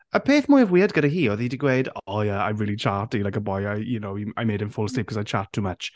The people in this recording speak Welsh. y peth mwyaf weird gyda hi oedd hi 'di gweud "Oh yeah I'm really chatty like a boy. You know I made him fall asleep because I chat too much".